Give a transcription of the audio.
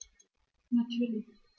Natürlich.